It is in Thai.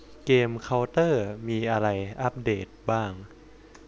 เกมเค้าเตอร์มีอะไรอัปเดตบ้าง